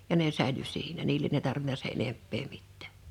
ja ne säilyi siinä niille ei tarvinnut sen enempää mitään